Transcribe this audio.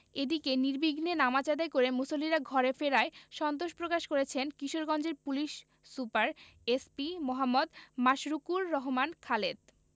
এদিকে নির্বিঘ্নে নামাজ আদায় করে মুসল্লিরা ঘরে ফেরায় সন্তোষ প্রকাশ করেছেন কিশোরগঞ্জের police super SP Md. Mashrukur Rahman Khaled